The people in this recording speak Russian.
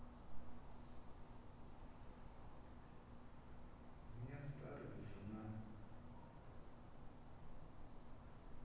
у меня старая жена